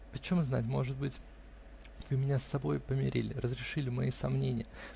почем знать, может быть, вы меня с собой помирили, разрешили мои сомнения.